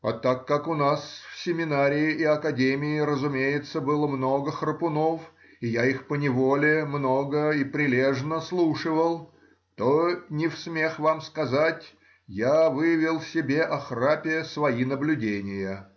а так как у нас, в семинарии и академии, разумеется, было много храпунов, и я их поневоле много и прилежно слушивал, то, не в смех вам сказать, я вывел себе о храпе свои наблюдения